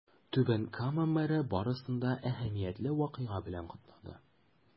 Түбән Кама мэры барысын да әһәмиятле вакыйга белән котлады.